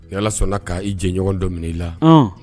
Ni ala sɔnna ka i jɛɲɔgɔn dɔ minɛ i la, ɔn